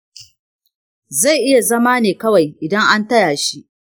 zai iya zama ne kawai idan an taya shi